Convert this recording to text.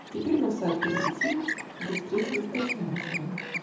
Теперь мы в сад перелетим, Где встретилась Татьяна с ним.